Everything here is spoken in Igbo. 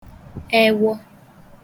ewọ